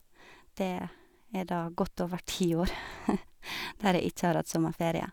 Det er da godt over ti år der jeg ikke har hatt sommerferie.